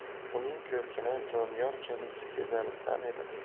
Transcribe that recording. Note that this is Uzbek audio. uning ko'rkini doniyorchalik seza bilsam edi